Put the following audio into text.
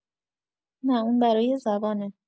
نه اون برای زبانه